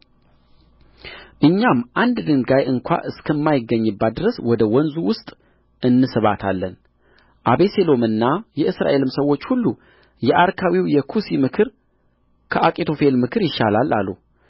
እኛም አንድ ድንጋይ እንኳ እስከማይገኝባት ድረስ ወደ ወንዙ ውስጥ እንስባታለን አቤሴሎምና የእስራኤልም ሰዎች ሁሉ የአርካዊው የኩሲ ምክር ከአኪጦፌል ምክር ይሻላል አሉ